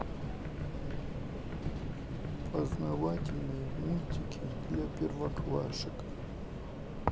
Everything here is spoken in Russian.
познавательные мультики для первоклашек